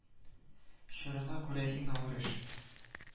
Чорына күрә иң авыр эш